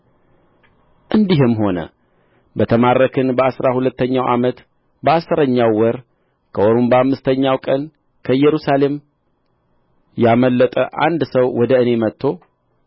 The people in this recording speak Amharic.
እንዲህም ሆነ በተማረክን በአሥራ ሁለተኛው ዓመት በአሥረኛው ወር ከወሩም በአምስተኛው ቀን ከኢየሩሳሌም ያመለጠ አንድ ሰው ወደ እኔ መጥቶ